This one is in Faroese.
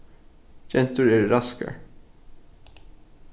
gentur eru raskar